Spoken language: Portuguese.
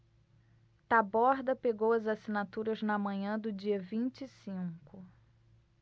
taborda pegou as assinaturas na manhã do dia vinte e cinco